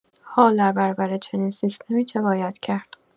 حال در برابر چنین سیستمی چه باید کرد!؟